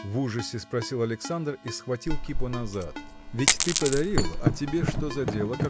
– в ужасе спросил Александр и схватил кипу назад. – Ведь ты подарил а тебе что за дело